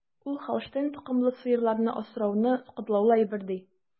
Ул Һолштейн токымлы сыерларны асрауны катлаулы әйбер, ди.